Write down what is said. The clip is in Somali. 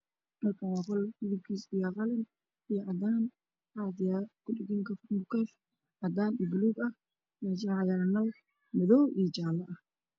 Waxaa ii muuqda qalab lagu baaro dadka oo midabkiisii yahay midow leer cadaan ayaa ka ifaayo